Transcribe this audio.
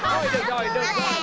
thôi được rồi được rồi